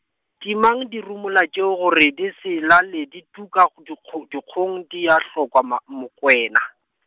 timang dirumula tšeo gore di se laele di tuka g- dikgo-, dikgong di a hlokwa ma, Mokwena.